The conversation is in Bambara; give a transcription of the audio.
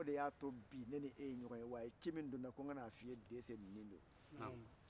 cɛfarisi cɛfarisi ni bɛɛ de sigilen don donsoya de kan